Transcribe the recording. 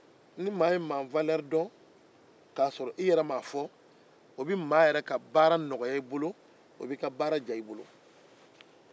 ni maa y'i walɛri dɔn k'a sɔrɔ i yɛrɛ m'a fɔ i b'i ka baara diya i bolo k'a nɔgɔya